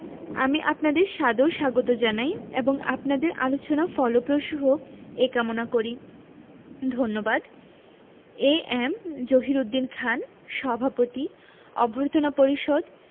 আমি আপনাদের সাদর স্বাগত জানাই এবং আপনাদের আলোচনা ফলপ্রসূ হোক এ কামনা করি ধন্যবাদ এ এম জহিরুদ্দিন খান সভাপতি অভ্যর্থনা পরিষদ